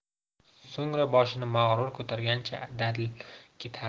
so'ngra boshini mag'rur ko'targancha dadil ketardi